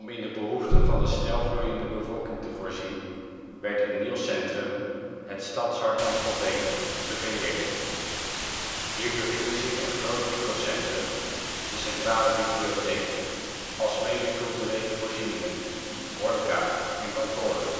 in de behoeften van de snel gegroeide bevolking te voorzien werd een nieuw centrum, het Stadshart Amstelveen, gecreëerd. Hier bevinden zich een groot winkelcentrum, de centrale bibliotheek, alsmede culturele voorzieningen, horeca en kantoren